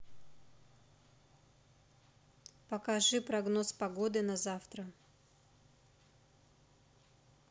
покажи прогноз погоды на завтра